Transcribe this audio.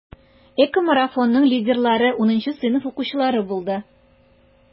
ЭКОмарафонның лидерлары 10 сыйныф укучылары булды.